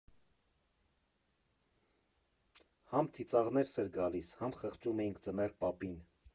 Հա՛մ ծիծաղներս էր գալիս, հա՛մ խղճում էինք Ձմեռ պապին։